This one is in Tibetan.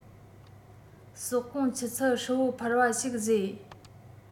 ཟོག གོང ཆུ ཚད ཧྲིལ པོ འཕར བ ཞིག བཟོས